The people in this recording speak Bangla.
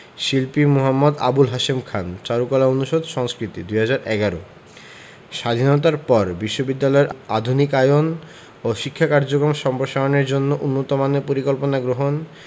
শিল্পী মু. আবুল হাশেম খান চারুকলা অনুষদ সংস্কৃতি ২০১১ স্বাধীনতার পর বিশ্ববিদ্যালয়ের আধুনিকায়ন ও শিক্ষা কার্যক্রম সম্প্রসারণের জন্য উন্নতমানের পরিকল্পনা গ্রহণ